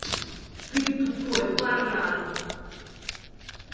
ты тупой баран